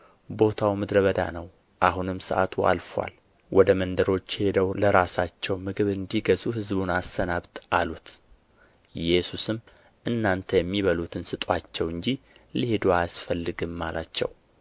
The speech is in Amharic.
ቦታው ምድረ በዳ ነው አሁንም ሰዓቱ አልፎአል ወደ መንደሮች ሄደው ለራሳቸው ምግብ እንዲገዙ ሕዝቡን አሰናብት አሉት ኢየሱስም እናንተ የሚበሉትን ስጡአቸው እንጂ ሊሄዱ አያስፈልግም አላቸው